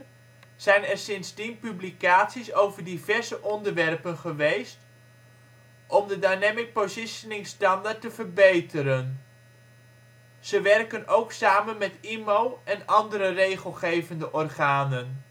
zijn er sindsdien publicaties over diverse onderwerpen geweest om de dynamic positioning standaard te verbeteren. Ze werken ook samen met IMO en andere regelgevende organen